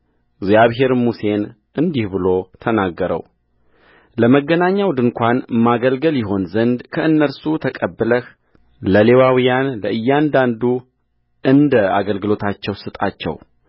እግዚአብሔርም ሙሴን እንዲህ ብሎ ተናገረውለመገናኛው ድንኳን ማገልገል ይሆን ዘንድ ከእነርሱ ተቀብለህ ለሌዋውያን ለእያንዳንዱ እንደ አገልግሎታቸው ስጣቸው